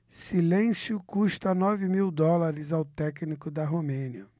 silêncio custa nove mil dólares ao técnico da romênia